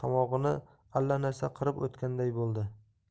tomog'ini allanarsa qirib o'tganday bo'ldi